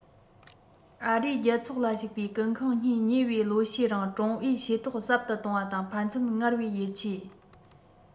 ཨ རིའི རྒྱལ ཚོགས ལ ཞུགས པའི ཀུན ཁང གཉིས ཉེ བའི ལོ ཤས རིང ཀྲུང ཨའི ཤེས རྟོགས ཟབ ཏུ གཏོང བ དང ཕན ཚུན སྔར བས ཡིད ཆེས